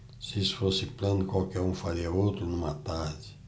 se isso fosse plano qualquer um faria outro numa tarde